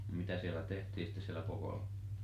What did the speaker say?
no mitä siellä tehtiin sitten siellä kokolla